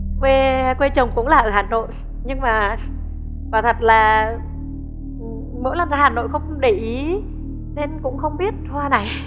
quê quê chồng cũng là ở hà nội nhưng mà quả thật là mỗi lần ra hà nội không để ý nên cũng không biết hoa này